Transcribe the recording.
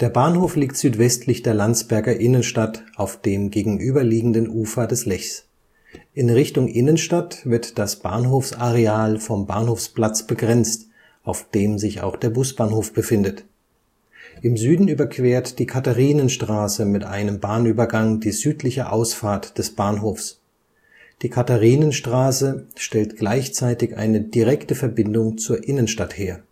Bahnhof liegt südwestlich der Landsberger Innenstadt auf dem gegenüberliegenden Ufer des Lechs. In Richtung Innenstadt wird das Bahnhofsareal vom Bahnhofsplatz begrenzt, auf dem sich auch der Busbahnhof befindet. Im Süden überquert die Katharinenstraße mit einem Bahnübergang die südliche Ausfahrt des Bahnhofs. Die Katharinenstraße stellt gleichzeitig eine direkte Verbindung zur Innenstadt her